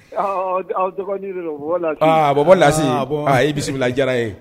Bɔ bɔ la bɔ ye bisimila diyara ye